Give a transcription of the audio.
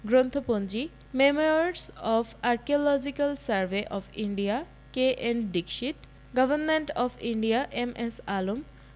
গ্রন্থপঞ্জিঃ memoirs of archaeological survey of India K N Dikshit government of India M S Alam